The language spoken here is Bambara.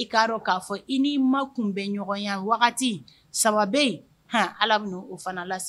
I'a dɔn k'a fɔ i ni ma kun bɛ ɲɔgɔnya wagati saba h ala bɛ o fana lase